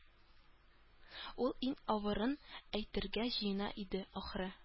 Ул иң авырын әйтергә җыена иде, ахры